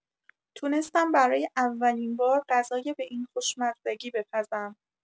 تونستم برای اولین بار غذای به این خوشمزگی بپزم.